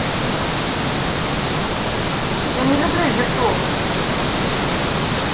я не люблю youtube